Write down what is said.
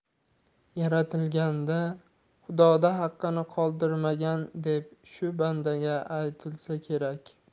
yaratilganda xudoda haqqini qoldirmagan deb shu bandaga aytilsa kerak